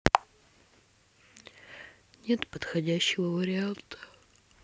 нет подходящего варианта